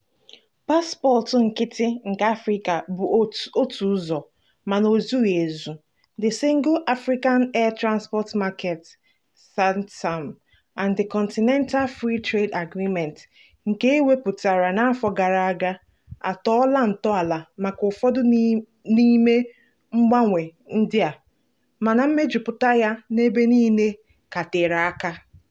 Paspọtụ nkịtị nke Afrịka bụ otu ụzọ— mana ozughị ezu. The Single African Air Transport market (SAATM), and the Continental Free Trade Agreement, nke ewepụtara n'afọ gara aga, a tọọla ntọala maka ụfọdụ n'ime mgbanwe ndị a, mana mmejupụta ya n'ebe niile ka tere aka.